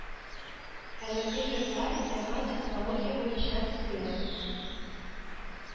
Әлеге йортлар яңа технология буенча төзелә